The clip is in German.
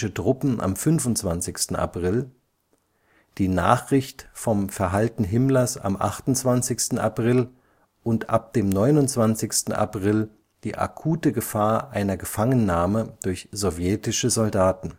Truppen am 25. April, die Nachricht vom Verhalten Himmlers am 28. April und ab dem 29. April die akute Gefahr einer Gefangennahme durch sowjetische Soldaten